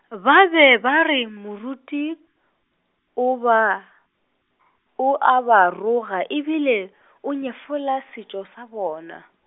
uh- ba be ba re moruti, o ba , o a ba roga e bile , o nyefola setšo sa bona.